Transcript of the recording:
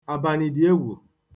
àbànị̀dị̀egwù